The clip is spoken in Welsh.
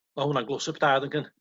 Ma' hwnna'n glose-up da na gyn-